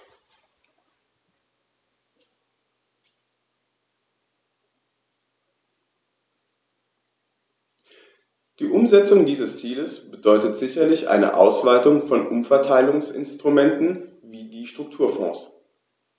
Die Umsetzung dieses Ziels bedeutet sicherlich eine Ausweitung von Umverteilungsinstrumenten wie die Strukturfonds.